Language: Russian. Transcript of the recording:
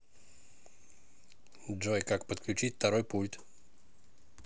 джой как подключить второй пульт